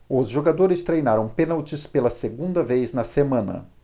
os jogadores treinaram pênaltis pela segunda vez na semana